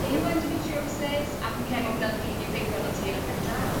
yw endometriosis a dwi'n cre'u ma' hwnna'n rili effeithio arnot ti yn y pen draw.